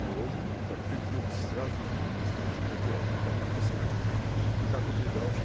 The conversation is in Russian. – Помню, как ты вдруг сразу в министры захотел, а потом в писатели. А как увидал